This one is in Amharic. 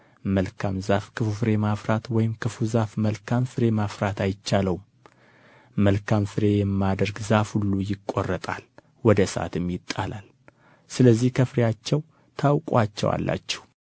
መልካም ፍሬ ማፍራት አይቻለውም መልካም ፍሬ የማያደርግ ዛፍ ሁሉ ይቆረጣል ወደ እሳትም ይጣላል ስለዚህም ከፍሬያቸው ታውቋቸዋላችሁ